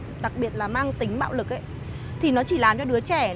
đặc biệt là mang tính bạo lực ấy thì nó chỉ là những đứa trẻ nó